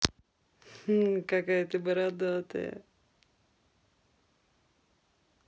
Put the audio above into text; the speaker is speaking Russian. какая ты бодрая